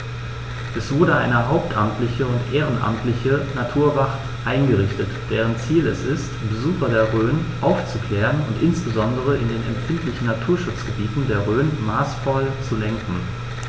Es wurde eine hauptamtliche und ehrenamtliche Naturwacht eingerichtet, deren Ziel es ist, Besucher der Rhön aufzuklären und insbesondere in den empfindlichen Naturschutzgebieten der Rhön maßvoll zu lenken.